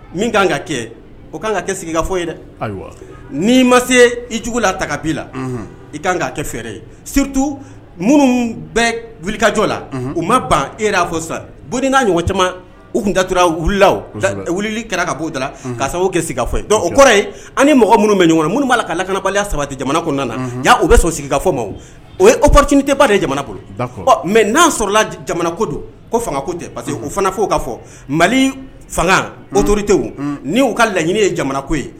Min ka kan ka kɛ o ka kan ka kɛ sigika fɔ ye dɛ ayiwa n'i ma se i jugu la ta ka' i la i ka kan k'a kɛ fɛɛrɛ ye stu minnu bɛ wulikajɔ la u ma ban er'a fɔ sisan bon n'a ɲɔgɔn caman u tuntura wulila wulili kɛra ka bɔo da ka sababu kɛ sigika fɔ yen o kɔrɔ yen ani ni mɔgɔ minnu bɛɲ kɔnɔ minnu b'a ka la kanaanabali saba jamana ko jaa u bɛ sɔrɔ sigika fɔ ma o yeotiini tɛba de ye jamana kolo mɛ n'an sɔrɔ jamana ko don ko fangako tɛ parce que o fana fɔ ka fɔ mali fanga otote n''u ka laɲini ye jamana ko ye